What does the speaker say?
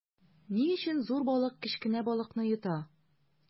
Ни өчен зур балык кечкенә балыкны йота?